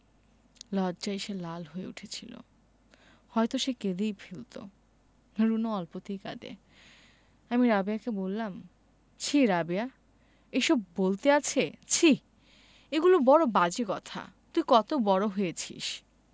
লজ্জায় সে লাল হয়ে উঠেছিলো হয়তো সে কেঁদেই ফেলতো রুনু অল্পতেই কাঁদে আমি রাবেয়াকে বললাম ছিঃ রাবেয়া এসব বলতে আছে ছিঃ এগুলি বড় বাজে কথা তুই কত বড় হয়েছিস